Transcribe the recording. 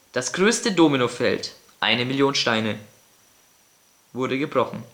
Das größte Domino-Feld (Eine Million Steine) - wurde gebrochen